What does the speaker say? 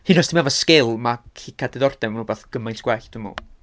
Hyd yn oes ti ddim efo sgil, ma' gallu cael diddordeb mewn wbeth gymaint gwell, dwi'n meddwl.